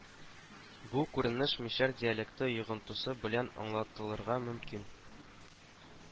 Бу күренеш мишәр диалекты йогынтысы белән аңлатылырга мөмкин